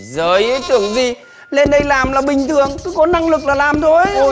dời ơi tưởng gì lên đây làm là bình thường cứ có năng lực là làm thôi